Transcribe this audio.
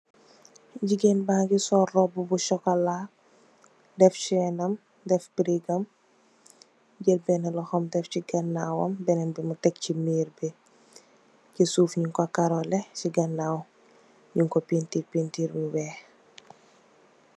Jigeen ba ngi sol róbbu bu sokola def cèèn nam dèf brigam, jél benna loxom dèf ci ganaw wam benen bi mu tèk ko ci miir bi. Ci suuf ñing ko karó leh ci ganaw ñing ko pentir pentir bu wèèx.